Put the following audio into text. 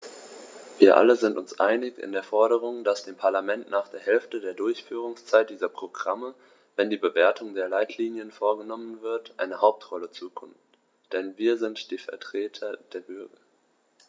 Wir alle sind uns einig in der Forderung, dass dem Parlament nach der Hälfte der Durchführungszeit dieser Programme, wenn die Bewertung der Leitlinien vorgenommen wird, eine Hauptrolle zukommt, denn wir sind die Vertreter der Bürger.